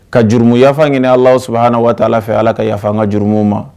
Ka jurumuyafan ɲini s na waa fɛ ala ka yafafangaj jurumu ma